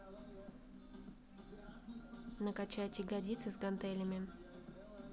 накачать ягодицы с гантелями